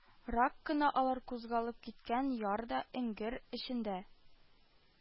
Рак кына алар кузгалып киткән яр да, эңгер эчендә